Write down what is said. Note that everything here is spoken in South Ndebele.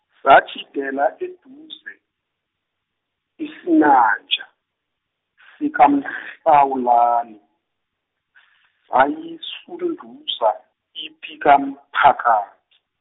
satjhidela eduze, isinanja, sikaMhlawulani, sayisunduza ipi kaMphaka-.